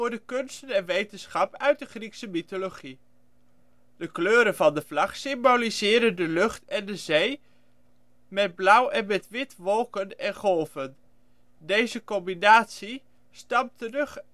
de kunsten en wetenschap uit de Griekse mythologie. De kleuren van de vlag symboliseren de lucht en de zee met blauw en met wit wolken en golven. Deze combinatie stamt terug tot 1828